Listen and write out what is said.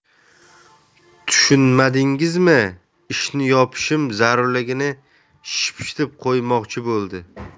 tushunmadingizmi ishni yopishim zarurligini shipshitib qo'ymoqchi bo'ldi